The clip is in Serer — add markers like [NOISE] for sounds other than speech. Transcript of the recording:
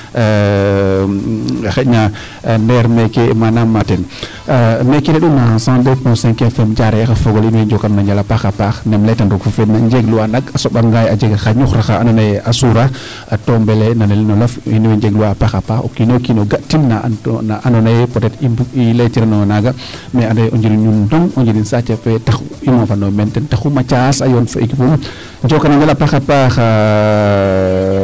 [HESITATION] Xayna ndeer meeke manam ten meeke reɗ'u 102 point 5 FM Diarekh o fog ole in way njookaa nuun a njal a paax neem laytan roog fu feed da njeglu waa nak a soɓanga a jega xa ñuxur axa andoona yee a suura to mbelee nanel no nof in way njeglu waa a paax .a paax o kiin o kiin o ga'tin naa andoona yee peut etre i mbug i laytiranooyo naaga mais ande o njiriñ nuun dong o njiriñ saate fe i mofa yu meen ten taxu Mathiase a yoon fo équipe um Njookaa njal a paax, a paax. [UNINTELLIGIBLE]